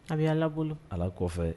A bi Ala bolo . Ala kɔfɛ